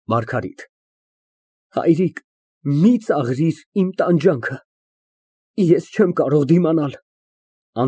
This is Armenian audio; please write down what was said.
ՄԱՐԳԱՐԻՏ ֊ Հայրիկ, մի ծաղրիր իմ տանջանքը, ես չեմ կարող դիմանալ։